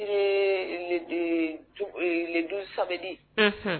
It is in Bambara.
Ee le 12 samedi , unhun